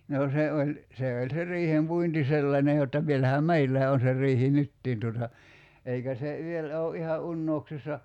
no se oli se oli se riihenpuinti sellainen jotta vielähän meilläkin on se riihi nytkin tuota eikä se vielä ole ihan unohduksissa